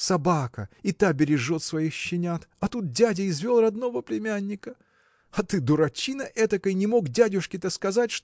Собака и та бережет своих щенят, а тут дядя извел родного племянника! А ты дурачина этакой не мог дядюшке-то сказать